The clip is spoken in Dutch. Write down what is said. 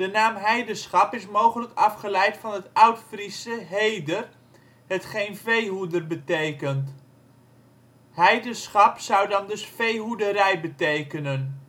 naam Heidenschap is mogelijk afgeleid van het Oud-Friese hêder hetgeen veehoeder betekent. Heidenschap zou dan dus veehoederij betekenen